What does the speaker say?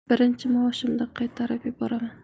birinchi maoshimdan qaytarib yuboraman